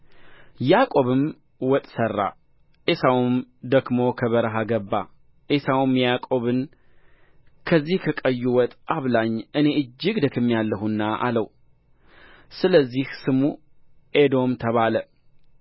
ያዕቆብም ወጥ ሠራ ዔሳውም ደክሞ ከበረሃ ገባ ዔሳውም ያዕቆብን ከዚህ ከቀዩ ወጥ አብላኝ እኔ እጅግ ደክሜአለሁና አለው ስለዚህ ስሙ ኤዶም ተባለ